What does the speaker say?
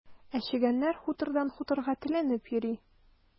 Ә чегәннәр хутордан хуторга теләнеп йөри.